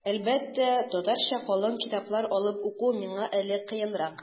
Әлбәттә, татарча калын китаплар алып уку миңа әле кыенрак.